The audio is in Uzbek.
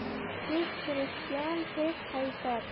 tez kirishgan tez qaytar